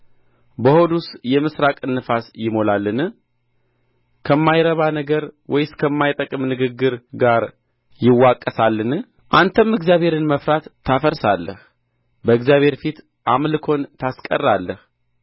በሆዱስ የምሥራቅን ነፋስ ይሞላልን ከማይረባ ነገር ወይስ ከማይጠቅም ንግግር ጋር ይዋቀሳልን አንተም እግዚአብሔርን መፍራት ታፈርሳለህ በእግዚአብሔር ፊት አምልኮን ታስቀራለህ